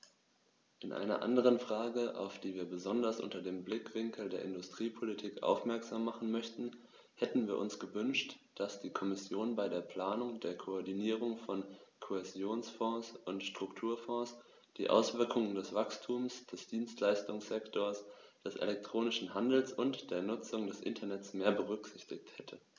In einer anderen Frage, auf die wir besonders unter dem Blickwinkel der Industriepolitik aufmerksam machen möchten, hätten wir uns gewünscht, dass die Kommission bei der Planung der Koordinierung von Kohäsionsfonds und Strukturfonds die Auswirkungen des Wachstums des Dienstleistungssektors, des elektronischen Handels und der Nutzung des Internets mehr berücksichtigt hätte.